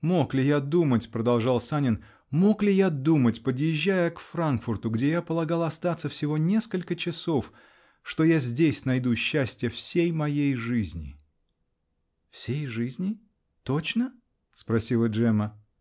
-- Мог ли я думать, -- продолжал Санин, -- мог ли я думать, подъезжая к Франкфурту, где я полагал остаться всего несколько часов, что я здесь найду счастье всей моей жизни! -- Всей жизни? Точно? -- сбросила Джемма.